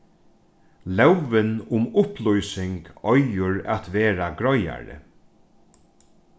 lógin um upplýsing eigur at verða greiðari